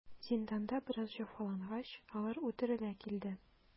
Зинданда бераз җәфалангач, алар үтерелә килде.